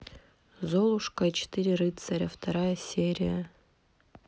золушка и четыре рыцаря вторая серия